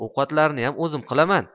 ovqatlarniyam o'zim qilaman